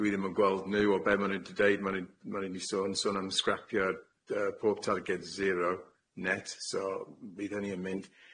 Dwi ddim yn gweld nhw o be' ma' nw'n do' deud ma' nw'n ma' nw'n sôn sôn am scrapio'r yy pob target zero net so bydd hynny yn mynd.